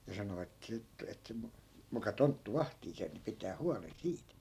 ja sanoi että siitä että - muka tonttu vahtii sen ja pitää huolen siitä